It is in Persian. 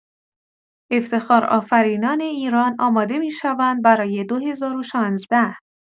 افتخار آفرینان ایران آماده می‌شوند برای ۲۰۱۶